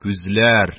Күзләр